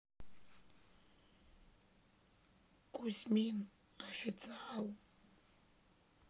кузьмин официал